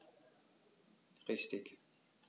Richtig